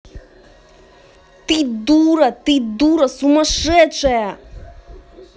ты дура ты дура сумасшедшая